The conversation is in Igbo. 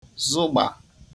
zụgbà